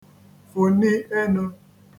fụ̀ni enū